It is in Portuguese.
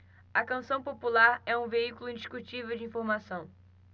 a canção popular é um veículo indiscutível de informação